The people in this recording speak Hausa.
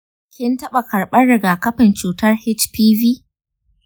kin taɓa karɓar rigakafin cutar hpv?